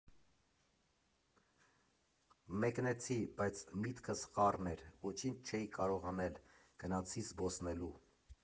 Մեկնեցի, բայց միտքս խառն էր, ոչինչ չէի կարող անել, գնացի զբոսնելու։